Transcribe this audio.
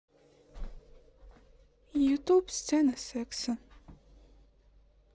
ютуб сцена секса